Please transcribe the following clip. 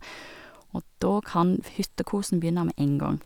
Og da kan f hyttekosen begynne med en gang.